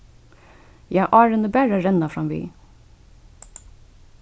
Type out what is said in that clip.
ja árini bara renna framvið